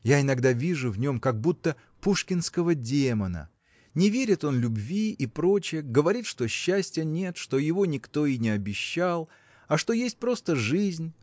Я иногда вижу в нем как будто пушкинского демона. Не верит он любви , и проч. говорит что счастья нет что его никто и не обещал а что есть просто жизнь